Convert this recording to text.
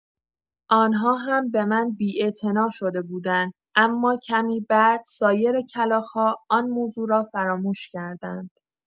آن‌ها هم به من بی‌اعتنا شده بودند، اما کمی بعد، سایر کلاغ‌ها آن موضوع را فراموش کردند.